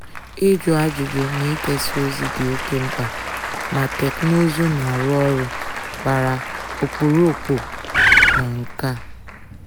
Ịjụ ajụjụ na ikesa ozi dị oke mkpa, ma teknụzụ na-arụ ọrụ gbara ọkpụrụkpụ na nke a.